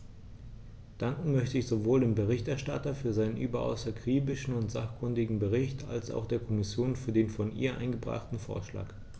Danken möchte ich sowohl dem Berichterstatter für seinen überaus akribischen und sachkundigen Bericht als auch der Kommission für den von ihr eingebrachten Vorschlag.